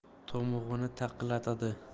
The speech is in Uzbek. tomog'ini taqillatadi